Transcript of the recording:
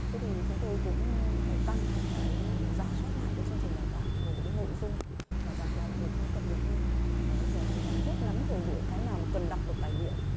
thế thì chúng tôi cũng phải tăng cái rà soát lại với chương trình đào tạo rồi là cái nội dung mà giảng dạy để cho nó cập nhật hơn đấy và coi như rút ngắn thời lượng cái nào mà cần đọc được tài liệu